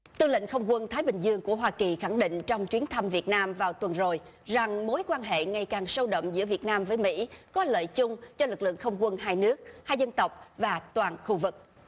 tư lệnh không quân thái bình dương của hoa kỳ khẳng định trong chuyến thăm việt nam vào tuần rồi rằng mối quan hệ ngày càng sâu đậm giữa việt nam với mỹ có lợi chung cho lực lượng không quân hai nước hai dân tộc và toàn khu vực